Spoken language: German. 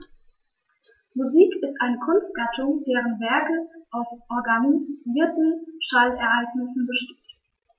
Musik ist eine Kunstgattung, deren Werke aus organisierten Schallereignissen bestehen.